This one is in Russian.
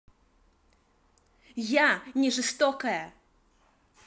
я не жестокая